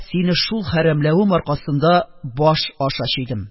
Сине шул хәрәмләвем аркасында баш аша чөйдем